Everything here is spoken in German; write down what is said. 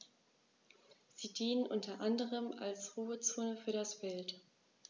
Sie dienen unter anderem als Ruhezonen für das Wild.